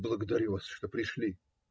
- Благодарю вас, что пришли.